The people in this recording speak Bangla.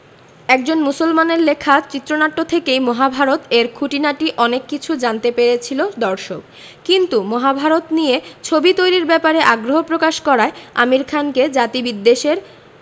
একজন মুসলমানের লেখা চিত্রনাট্য থেকেই মহাভারত এর খুঁটিনাটি অনেক কিছু জানতে পেরেছিল দর্শক কিন্তু মহাভারত নিয়ে ছবি তৈরির ব্যাপারে আগ্রহ প্রকাশ করায় আমির খানকে জাতিবিদ্বেষের